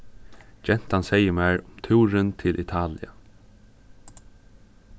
gentan segði mær túrin til italia